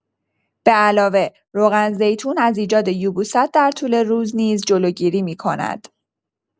بعلاوه روغن‌زیتون از ایجاد یبوست در طول روز نیز جلوگیری می‌کند!